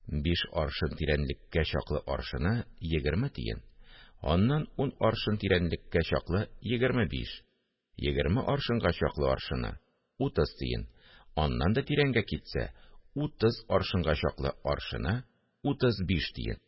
Биш аршын тирәнлеккә чаклы аршыны – егерме тиен, аннан ун аршын тирәнлеккә чаклы – егерме биш, егерме аршынга чаклы аршыны – утыз тиен, аннан да тирәнгә китсә, утыз аршынга чаклы аршыны – утыз биш тиен